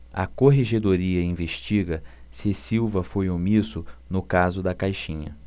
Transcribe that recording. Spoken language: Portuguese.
a corregedoria investiga se silva foi omisso no caso da caixinha